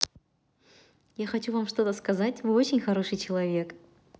я хочу вам что то сказать вы очень хороший человек